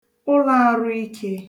ụlọ̄arụikē